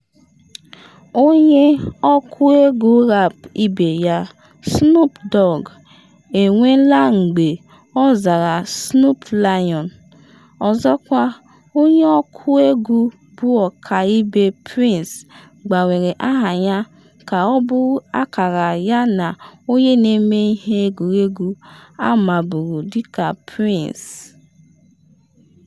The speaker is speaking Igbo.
Onye ọkụ egwu rap ibe ya, Snoop Dogg enwela mgbe ọ zara Snoop Lion, ọzọkwa onye ọkụ egwu bụ ọkaibe Prince, gbanwere aha ya ka ọ bụrụ akara yana onye na-eme ihe egwuregwu amaburu dịka Prince.